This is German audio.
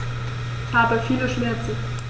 Ich habe viele Schmerzen.